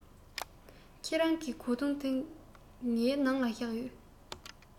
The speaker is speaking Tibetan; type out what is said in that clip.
ཁྱེད རང གི གོས ཐུང ངའི ནང ལ བཞག ཡོད